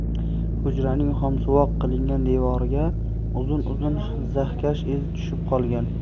hujraning xomsuvoq qilingan devoriga uzun uzun zahkash iz tushib qolgan